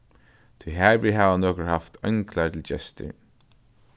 tí harvið hava nøkur havt einglar til gestir